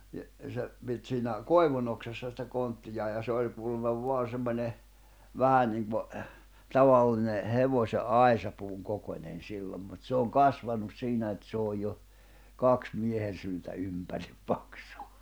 niin se piti siinä koivunoksassa sitä konttiaan ja se oli kuulemma vain semmoinen vähän niin kuin tavallinen hevosen aisapuun kokoinen silloin mutta se on kasvanut siinä että se on jo kaksi miehen syltä ympäri paksu